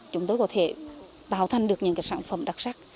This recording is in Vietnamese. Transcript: chúng tôi có thể tạo thành được những cái sản phẩm đặc sắc